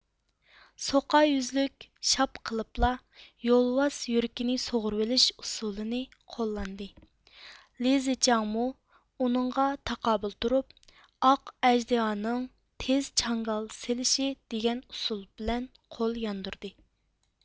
سوقا يۈزلۈك شاپ قىلىپلا يولۋاس يۈرىكىنى سۇغۇرۇۋېلىش ئۇسۇلىنى قوللاندى لى زىچياڭمۇ ئۇنىڭغا تاقابىل تۇرۇپ ئاق ئەجدىھانىڭ تېز چاڭگال سېلىشى دېگەن ئۇسۇل بىلەن قول ياندۇردى